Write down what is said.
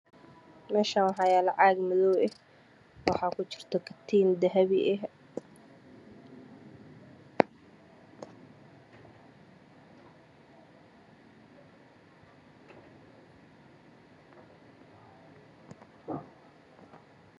Xagan waxa yaala caag madow ah waxaa ku hirtah katiin dahabi ah